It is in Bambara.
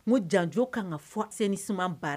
N ko janjo kan ka fɔ assainissement baara